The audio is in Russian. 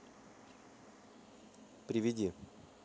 приведи